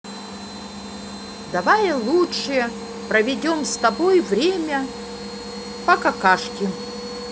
давай лучше проведем с тобой время по какашки